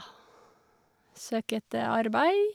Søker etter arbeid.